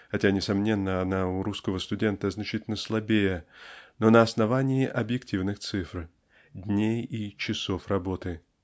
хотя несомненно она у русского студента значительно слабее но на основании объективных цифр дней и часов работы.